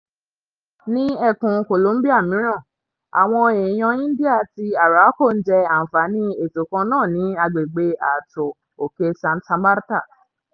Ní ẹkùn Colombia mìíràn, àwọn èèyàn India ti Arhuaco ń jẹ́ àǹfààní ètò kan náà ní agbègbè ààtò òkè Santa Marta.